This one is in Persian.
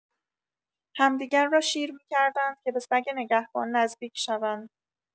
همدیگر را شیر می‌کردند که به سگ نگهبان نزدیک شوند.